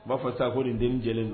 B'a fɔ taa ko nin dencɛ don